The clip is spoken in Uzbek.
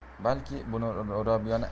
balki buni robiyaning